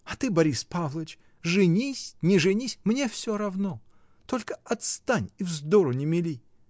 А ты, Борис Павлыч, женись, не женись — мне всё равно, только отстань и вздору не мели.